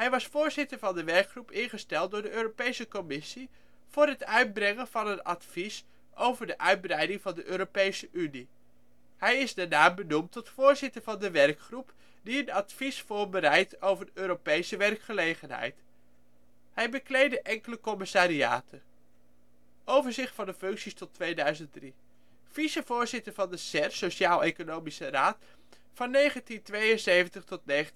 was voorzitter van de werkgroep ingesteld door de Europese Commissie voor het uitbrengen van een advies over de uitbreiding van de Europese Unie. Hij is daarna benoemd tot voorzitter van de werkgroep die een advies voorbereidt over de Europese werkgelegenheid. Hij bekleedt enige commissariaten. Overzicht functies (tot 2003): vice-voorzitter S.E.R. (Sociaal-Economische Raad), van 1972 tot 1986